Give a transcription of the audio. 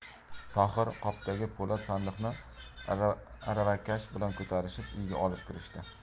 tohir qopdagi po'lat sandiqni aravakash bilan ko'tarishib uyga olib kirishdi